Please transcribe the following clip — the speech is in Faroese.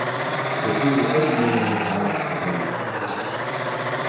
eg skrivi øll míni notat á teldu